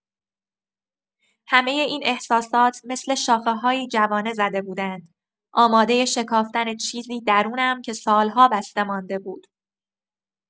همۀ این احساسات مثل شاخه‌هایی جوانه‌زده بودند، آمادۀ شکافتن چیزی درونم که سال‌ها بسته مانده بود.